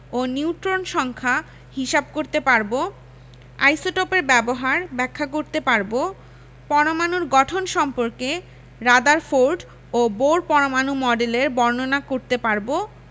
ও neutron সংখ্যা হিসাব করতে পারব আইসোটোপের ব্যবহার ব্যাখ্যা করতে পারব পরমাণুর গঠন সম্পর্কে রাদারফোর্ড ও বোর পরমাণু মডেলের বর্ণনা করতে পারব